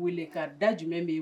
Weeleka da jumɛn b'e b